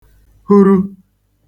huru